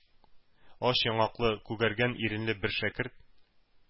Ач яңаклы, күгәргән иренле бер шәкерт